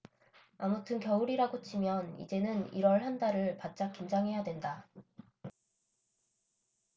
아무튼 겨울이라고 치면 이제는 일 월 한 달을 바짝 긴장해야 된다